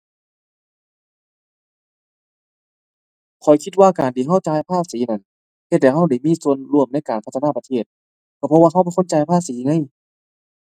ข้อยคิดว่าการที่เราจ่ายภาษีนั้น เฮ็ดให้เราได้มีส่วนร่วมในการพัฒนาประเทศ เราเพราะว่าเราเป็นคนจ่ายภาษีไง